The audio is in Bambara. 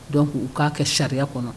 Dɔnc u k'a kɛ charia kɔnɔ